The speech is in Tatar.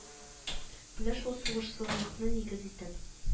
Менә шул сугышсызлыкны нигез итеп